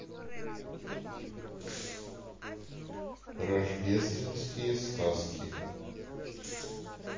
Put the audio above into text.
рождественские сказки